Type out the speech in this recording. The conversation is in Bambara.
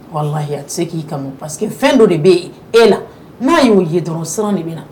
Walayi a tɛ se k'i kanu pa que fɛn dɔ de bɛ e la n'a ye' ye dɔrɔn o siran de bɛ na